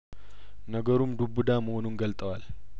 ነገሩም ዱብ እዳ መሆኑን ገልጠዋል